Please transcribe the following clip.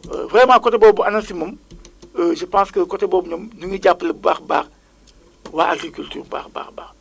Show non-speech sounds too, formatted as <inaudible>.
<hesitation> vraiment côté boobuANACIM moom <noise> <hesitation> je pense que côté boobu ñoom ñu ngi jàppale bu baax a baax waa agriculture bu baax a baax a baax